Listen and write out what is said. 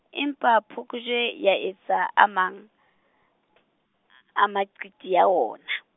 empa phokojwe ya etsa a mang , a maqiti a ona.